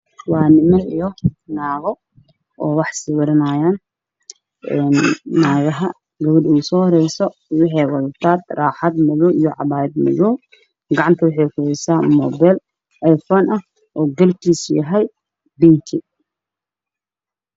Meeshaan waxaa ka muuqdo rag iyo dumar, dumar waxay iska duubayaan mobile